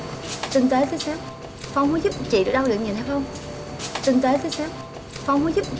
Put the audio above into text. tinh tế chút xíu không có giúp chị được đâu nhịn hay không tinh tế chút xíu không có giúp